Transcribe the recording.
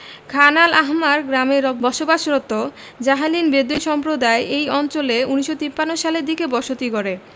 খান al Ahmar গ্রামে বসবাসরত Jahalin Bedouin সম্প্রদায় এই অঞ্চলে ১৯৫৩ সালের দিকে বসতি গড়ে